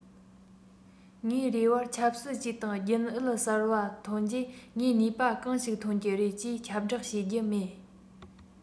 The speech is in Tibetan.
ངའི རེ བར ཆབ སྲིད ཅུད དང རྒྱུན ཨུད གསར པ ཐོན རྗེས ངས ནུས པ གང ཞིག ཐོན གྱི རེད ཅེས ཁྱབ བསྒྲགས བྱེད རྒྱུ མེད